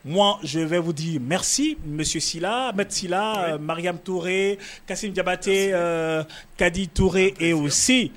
Mɔ z2wdi mɛsi misisusi la mɛti la mariayame torae kasi jabate kadi torae o se